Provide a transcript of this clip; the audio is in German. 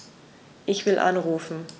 Ich will anrufen.